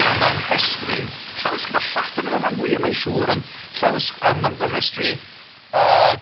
A mae'n rhestru, llawysgrifau Lladin oedd y rhan fwyaf mae'n siwr ond, llawys- yym mae'n rhestru yy...